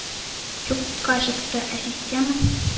Юкка чыкты, ә система